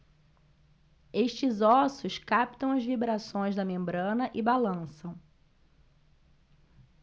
estes ossos captam as vibrações da membrana e balançam